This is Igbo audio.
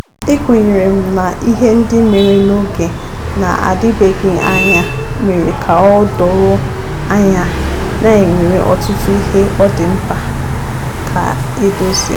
Ekwenyere m na ihe ndị mere n'oge na-adịbeghị anya mere ka o doo anya na e nwere ọtụtụ ihe ọ dị mkpa ka e dozie.